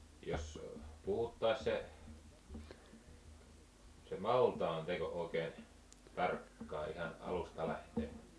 jos puhuttaisiin se se maltaanteko oikein tarkkaan ihan alusta lähtien